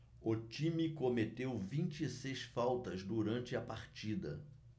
o time cometeu vinte e seis faltas durante a partida